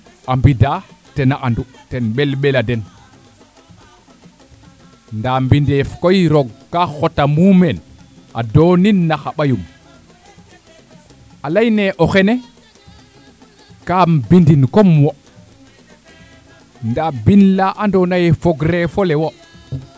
a mbida tena andu ten ɓel ɓela den nda mineef koy roog ka xota mumeen a donin na xa ɓayum a leyne o xene kam bindin comme wo nda bin la ando naye fogre fo le wo